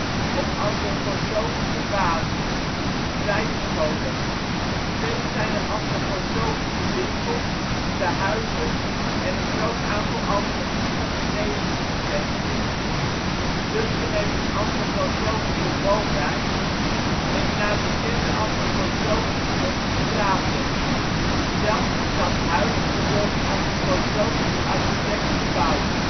antroposofische basis (vrije scholen). Verder zijn er antroposofische winkels, tehuizen en een groot aantal alternatieve genezers gevestigd. Zutphen heeft een antroposofische woonwijk met naar bekende antroposofen genoemde straten. Zelfs het stadhuis is door een antroposofische architect verbouwd